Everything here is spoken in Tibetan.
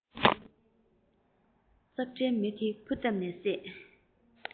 ཙག སྒྲའི མེ དེར ཕུ བཏབ ནས བསད